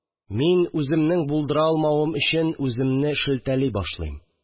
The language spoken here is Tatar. Мин, үземнең булдыра алмавым өчен, үземне шелтәли башлыйм